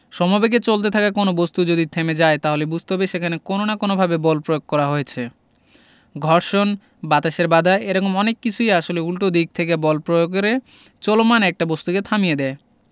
সমবেগে চলতে থাকা কোনো বস্তু যদি থেমে যায় তাহলে বুঝতে হবে সেখানে কোনো না কোনোভাবে বল প্রয়োগ করা হয়েছে ঘর্ষণ বাতাসের বাধা এ রকম অনেক কিছু আসলে উল্টো দিক থেকে বল প্রয়োগ করে চলমান একটা বস্তুকে থামিয়ে দেয়